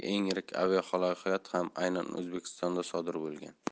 yirik aviahalokat ham aynan o'zbekistonda sodir bo'lgan